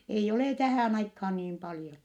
ei ole tähän aikaan niin paljon